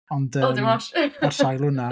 Ond yym... Dim ots. ...Ar sail hwnna...